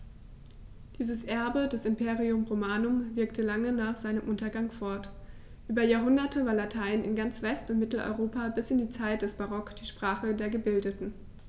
Dieses Erbe des Imperium Romanum wirkte lange nach seinem Untergang fort: Über Jahrhunderte war Latein in ganz West- und Mitteleuropa bis in die Zeit des Barock die Sprache der Gebildeten.